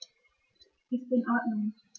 Ist in Ordnung.